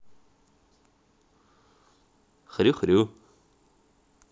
хрю хрю